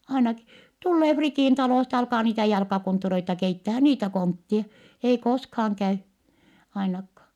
ainakin tulee Fritin talosta ja alkaa niitä jalkakonttureita keittämään niitä kontteja ei koskaan käy ainakaan